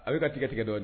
A bɛ ka tigatigɛ dɔn